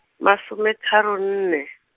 masome tharo nne.